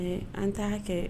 Ɛɛ an t ta kɛ